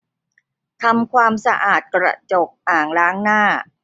ทำความสะอาดกระจกอ่างล้างหน้า